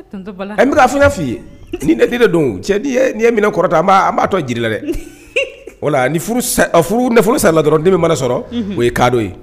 Bɛna f f'i nit de don cɛ minɛ kɔrɔta an b'atɔ jiri la dɛ wala nafolo sala dɔrɔndenmi mana sɔrɔ o ye kadɔ ye